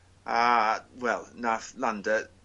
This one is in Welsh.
a wel nath Landa